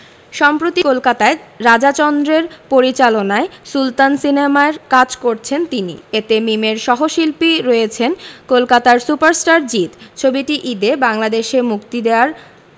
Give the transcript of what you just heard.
সম্প্রতি কলকাতায় রাজা চন্দের পরিচালনায় সুলতান সিনেমার কাজ করেছেন তিনি এতে মিমের সহশিল্পী রয়েছেন কলকাতার সুপারস্টার জিৎ ছবিটি ঈদে বাংলাদেশে মুক্তি দেয়ার